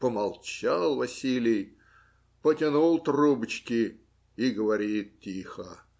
" Помолчал Василий, потянул трубочки и говорит тихо